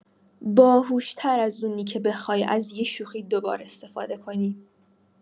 باهوش‌تر از اونی که بخوای از یه شوخی دو بار استفاده کنی.